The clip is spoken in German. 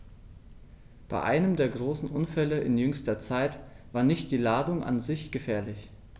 Bei einem der großen Unfälle in jüngster Zeit war nicht die Ladung an sich gefährlich.